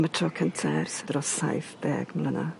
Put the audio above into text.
Am y tro cynta ers dros saith deg mlyna.